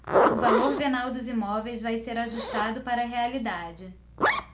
o valor venal dos imóveis vai ser ajustado para a realidade